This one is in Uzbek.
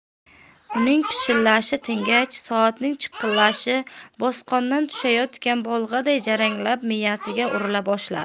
uning pishillashi tingach soatning chiqillashi bosqondan tushayotgan bolg'aday jaranglab miyasiga urila boshladi